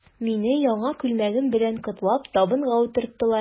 Мине, яңа күлмәгем белән котлап, табынга утырттылар.